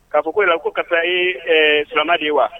Kaa fɔ ko la ko ka taa i silamɛ de ye wa